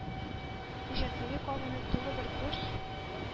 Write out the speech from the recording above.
Үҗәтлеге кабынып, тулы бер курс